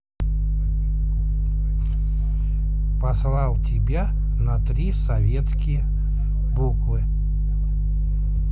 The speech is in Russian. послал тебя на три советские буквы